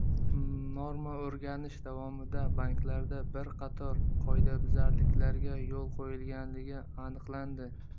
normao'rganish davomida banklarda bir qator qoidabuzarliklarga yo'l qo'yilganligi aniqlandi